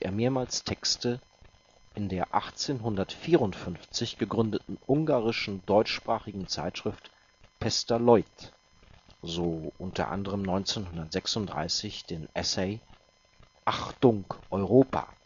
mehrmals Texte in der 1854 gegründeten ungarischen deutschsprachigen Zeitung Pester Lloyd, so u.a. 1936 den Essay Achtung, Europa